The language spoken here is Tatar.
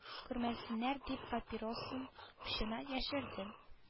Күрмәсеннәр дип папиросын учына яшерде